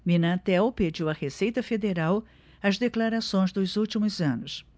minatel pediu à receita federal as declarações dos últimos anos